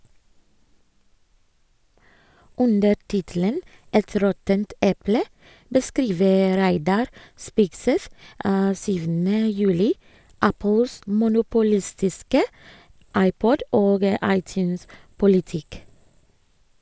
Under tittelen «Et råttent eple» beskriver Reidar Spigseth 7. juli Apples monopolistiske iPod- og iTunes-politikk.